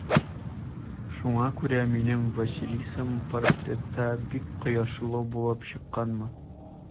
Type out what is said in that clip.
Шуңа күрә минем Василисам портретта бик кояшлы булып чыкканмы?